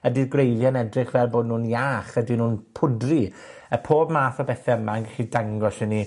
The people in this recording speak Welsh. Ydi'r gwreiddie'n edrych fel bo' nw'n iach? Ydyn nw'n pwdri? A pob math o bethe yma yn gallu dangos i ni